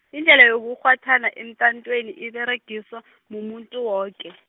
indlhela yokukghwathana emtatweni iberegiswa , mumuntu woke.